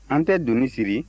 an tɛ doni siri